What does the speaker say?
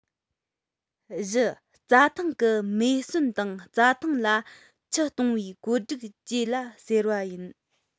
བཞི རྩྭ ཐང གི མེ ཟོན དང རྩྭ ཐང ལ ཆུ གཏོང བའི སྒྲིག བཀོད བཅས ལ ཟེར བ ཡིན